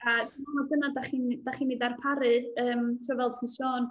A dwi'n meddwl na dyna dach chi'n dach chi'n ei ddarparu, yym, tibod fel ti'n sôn.